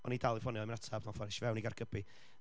o'n i i dal i ffonio, doedd o'm yn ateb, es i fewn i Gaergybi.